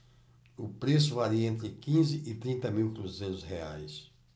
o preço varia entre quinze e trinta mil cruzeiros reais